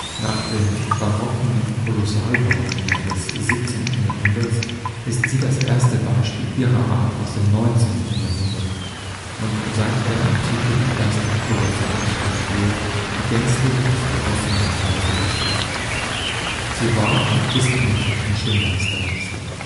Nach den barocken Kolossalstatuen des 17. Jahrhunderts ist sie das erste Beispiel ihrer Art aus dem 19. Jahrhundert und seit der Antike die erste Kolossalstatue, die gänzlich aus gegossener Bronze besteht. Sie war und ist eine technische Meisterleistung